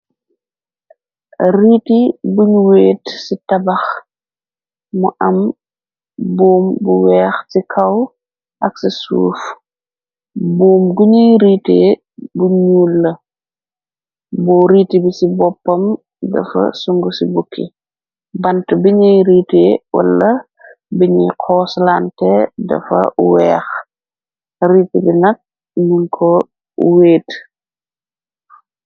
Riite buñu weet ci tabax, mu am boom bu weex ci kaw, ak ca suuf, boom guñuy riite, buñuul la, bu riit bi ci boppam dafa sung ci bukki, bant bi ngiy riite wala biñuy xooslante, dafa weex, riit bi nag, muñ ko weet.